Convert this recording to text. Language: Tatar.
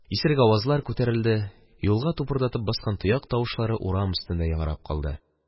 Исерек авазлар күтәрелде, юлга тупырдатып баскан тояк тавышлары урам өстендә яңгырап калды.